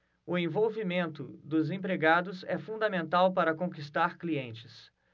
o envolvimento dos empregados é fundamental para conquistar clientes